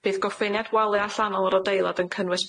Bydd gorffeniad waliau allanol yr adeilad yn cynnwys